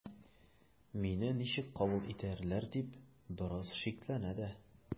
“мине ничек кабул итәрләр” дип бераз шикләнә дә.